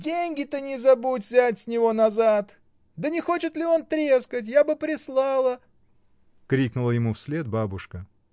Деньги-то не забудь взять с него назад! Да не хочет ли он трескать? я бы прислала. — крикнула ему вслед бабушка.